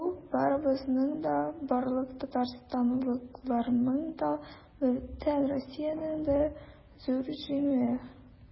Бу барыбызның да, барлык татарстанлыларның да, бөтен Россиянең дә зур җиңүе.